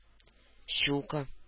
Щука